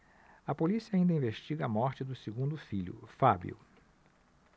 a polícia ainda investiga a morte do segundo filho fábio